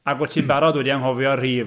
Ac wyt ti'n barod wedi anghofio'r rhif.